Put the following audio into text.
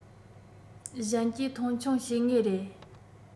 གཞན གྱིས མཐོང ཆུང བྱེད ངེས རེད